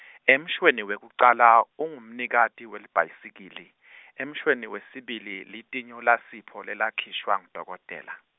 emshweni wekucala, ungumnikati welibhayisikili , emshweni wesibili, litinyo laSipho, lelakhishwa ngudokodela.